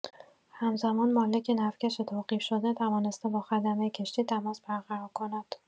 هم‌زمان مالک نفتکش توقیف‌شده، توانسته با خدمه کشتی تماس برقرار کند.